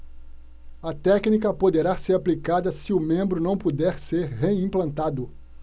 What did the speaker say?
a técnica poderá ser aplicada se o membro não puder ser reimplantado